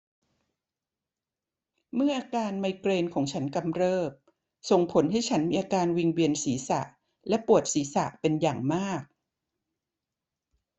เมื่ออาการไมเกรนของฉันกำเริบส่งผลให้ฉันมีอาการวิงเวียนศีรษะและปวดศีรษะเป็นอย่างมาก